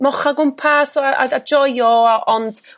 mocha' gwmpas a, a joio ond